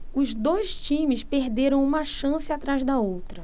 os dois times perderam uma chance atrás da outra